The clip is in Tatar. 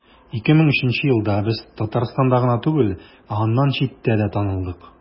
2003 елда без татарстанда гына түгел, ә аннан читтә дә танылдык.